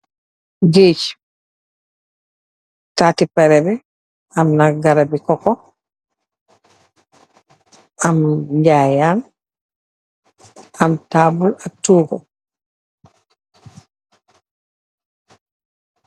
Gééj , tatti perreh bi am na garab bi koko, am njayan, am tabull ak toguh.